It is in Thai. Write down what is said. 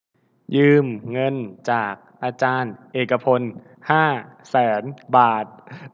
ยืมเงินจากอาจารย์เอกพลห้าแสนบาท